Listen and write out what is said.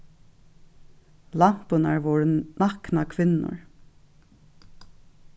lampurnar vóru naknar kvinnur